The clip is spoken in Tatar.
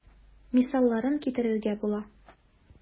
Мисалларын китерергә була.